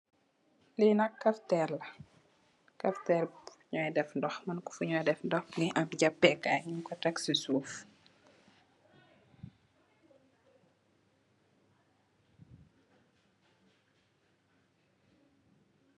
Li nak kapterr la fi ngi def dox mugii am japeh kai ñing ko tek ci suuf.